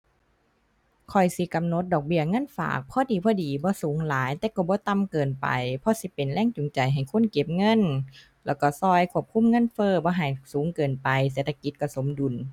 ข้อยสิกำหนดดอกเบี้ยเงินฝากพอดีพอดี บ่สูงหลาย แต่ก็บ่ต่ำเกินไป เพราะสิเป็นแรงจูงใจให้คนเก็บเงิน แล้วก็ก็ควบคุมเงินเฟ้อบ่ให้สูงเกินไป เศรษฐกิจก็สมดุล